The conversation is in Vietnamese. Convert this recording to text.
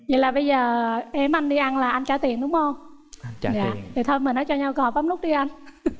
vậy là bây giờ em anh đi ăn là anh trả tiền đúng không thì thôi mình hãy cho nhau có bấm nút đi anh